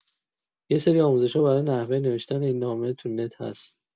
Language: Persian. یه سری آموزش‌ها برای نحوه نوشتن این نامه تو نت هست.